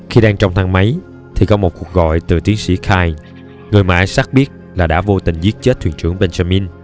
khi đang trong thang máy thì có một cuộc gọi từ tiến sĩ kyne người mà isaac biết là đã vô tình giết chết thuyền trưởng benjamin